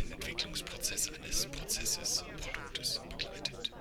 Entwicklungsprozess eines Prozesses/Produktes begleitet